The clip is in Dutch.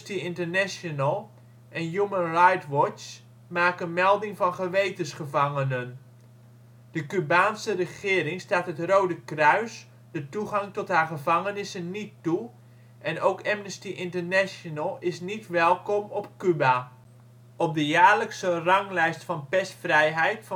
International en Human Rights Watch maken melding van gewetensgevangenen. De Cubaanse regering staat het Rode Kruis de toegang tot haar gevangenissen niet toe, en ook Amnesty International is niet welkom op Cuba. Op de jaarlijkse ranglijst van persvrijheid